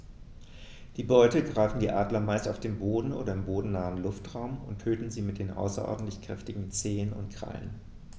Die Beute greifen die Adler meist auf dem Boden oder im bodennahen Luftraum und töten sie mit den außerordentlich kräftigen Zehen und Krallen.